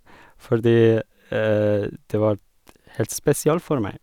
Fordi det vart helt spesiell for meg.